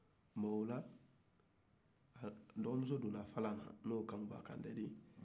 bon ola dɔgɔmuso donna tu kɔnɔ n'o ye kankuba kante ye